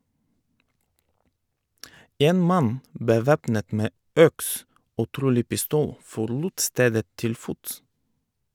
En mann bevæpnet med øks og trolig pistol forlot stedet til fots.